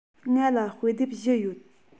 ང ལ དཔེ དེབ བཞི ཡོད